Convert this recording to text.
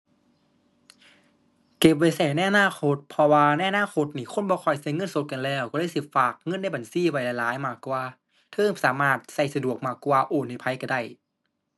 เก็บไว้ใช้ในอนาคต เพราะว่าในอนาคตนี่คนบ่ค่อยใช้เงินสดกันแล้ว ใช้เลยสิฝากเงินในบัญชีไว้หลายหลายมากกว่า เทิงสามารถใช้สะดวกมากกว่า โอนให้ไผใช้ได้